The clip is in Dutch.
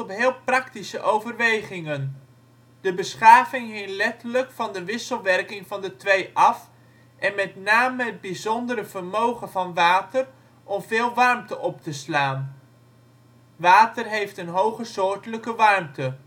heel praktische overwegingen: de beschaving hing letterlijk van de wisselwerking van de twee af en met name het bijzondere vermogen van water om veel warmte op te slaan (water heeft een hoge soortelijke warmte